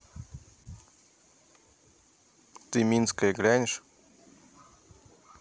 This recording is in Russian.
ты минская глянешь